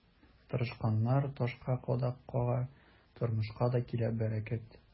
Тырышканнар ташка кадак кага, тормышка да килә бәрәкәт.